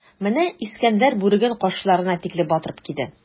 Менә Искәндәр бүреген кашларына тикле батырып киде.